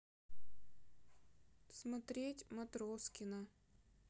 смотреть матроскина